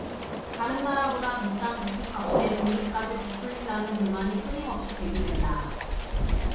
다른 나라보다 비싼 부품값에 공임까지 부풀린다는 불만이 끊임없이 제기된다